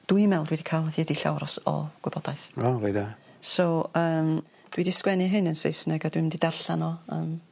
Dwi'n me'wl dwi 'di ca'l o hyd i llawar o s- o gwybodaeth. O rei dda. So yym dwi 'di sgwennu hyn yn Saesneg a dwi mynd i darllen o yn